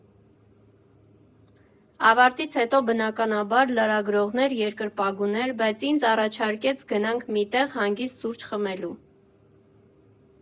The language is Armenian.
Ավարտից հետո բնականաբար լրագրողներ, երկրպագուներ, բայց ինձ առաջարկեց գնանք մի տեղ հանգիստ սուրճ խմելու։